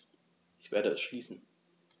Ich werde es schließen.